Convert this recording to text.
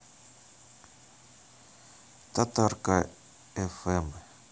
татарка фм